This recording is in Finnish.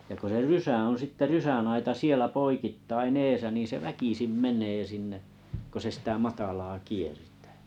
ja kun se rysä on sitten rysänaita siellä poikittain edessä niin se väkisin menee sinne kun se sitä matalaa kiertää